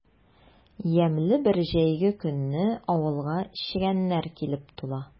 Ямьле бер җәйге көнне авылга чегәннәр килеп тула.